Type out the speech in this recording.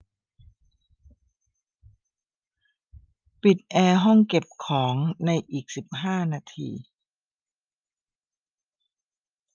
ปิดแอร์ห้องเก็บของในอีกสิบห้านาที